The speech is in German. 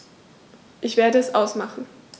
Ich werde es ausmachen